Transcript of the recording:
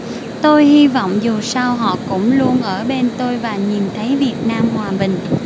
tôi hi vọng dù sao họ cũng luôn ở bên tôi và nhìn thấy việt nam hòa bình